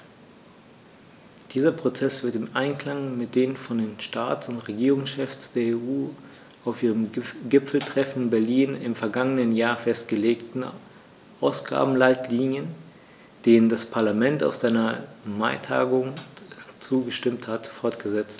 Dieser Prozess wird im Einklang mit den von den Staats- und Regierungschefs der EU auf ihrem Gipfeltreffen in Berlin im vergangenen Jahr festgelegten Ausgabenleitlinien, denen das Parlament auf seiner Maitagung zugestimmt hat, fortgesetzt.